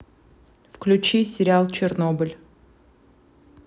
включи сериал чернобыль